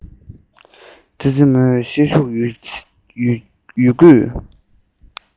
ཙི ཙི མོས ཤེད ཤུགས ཡོད རྒུས